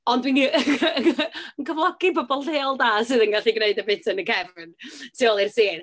Ond dwi'n yn cyflogi pobl lleol da sydd yn gallu gwneud y bit yn y cefn tu ôl i'r scene.